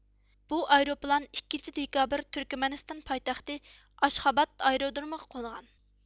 بۇ ئايروپىلان ئىككىنچى دېكابىر تۈركمەنىستان پايتەختى ئاشخاباد ئايرودرومىغا قونغان